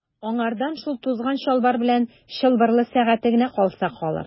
Аңардан шул тузган чалбар белән чылбырлы сәгате генә калса калыр.